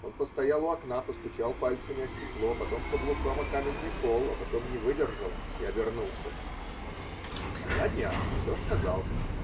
Он постоял у окна, постучал пальцами о стекло, потом каблуком о каменный пол, потом не выдержал и обернулся. -- А я Диане все сказал.